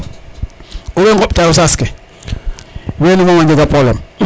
owey ŋoɓ tayo saas ke wene moom a njega probleme